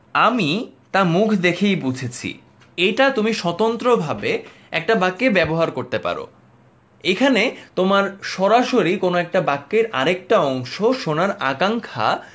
আমি তা মুখ দেখেই বুঝেছি এটা তুমি স্বতন্ত্র ভাবে একটা বাক্যে ব্যবহার করতে পারো এখানে তোমার সরাসরি কোনো একটা বাক্যের আরেকটা অংশ শোনার আকাঙ্ক্ষা